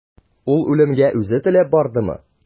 Ул үлемгә үзе теләп бардымы?